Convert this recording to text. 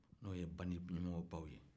n'o ye bandi ɲɛmɔgɔbaw ye